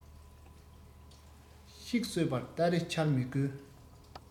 ཤིག གསོད པར སྟ རེ འཕྱར མི དགོས